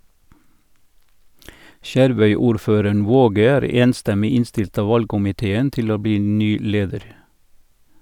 Skjervøy-ordføreren Waage er enstemmig innstilt av valgkomiteen til å bli ny leder.